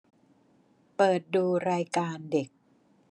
เปิดดูรายการเด็ก